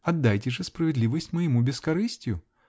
Отдайте же справедливость моему бескорыстию!